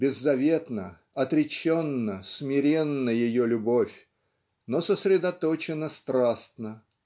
Беззаветна, отреченна, смиренна ее любовь, но сосредоточенно страстна